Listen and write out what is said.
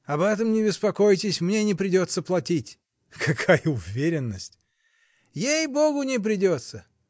— Об этом не беспокойтесь: мне не придется платить. — Какая уверенность! — Ей-богу, не придется.